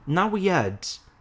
In't that weird?